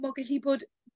m'o gallu bod